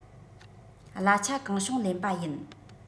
གླ ཆ གང བྱུང ལེན པ ཡིན